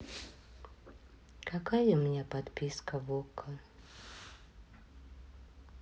какая у меня подписка в окко